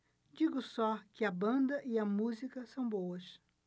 digo só que a banda e a música são boas